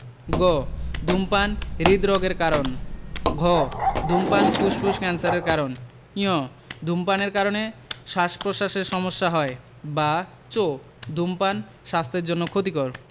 গ ধূমপান হৃদরোগের কারণ ঘ ধূমপান ফুসফুস ক্যান্সারের কারণ ঙ ধূমপানের কারণে শ্বাসপ্রশ্বাসের সমস্যা হয় বা চ ধূমপান স্বাস্থ্যের জন্য ক্ষতিকর